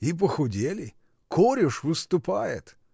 — И похудели: корь уж выступает.